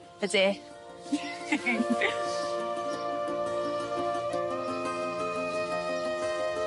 Y de.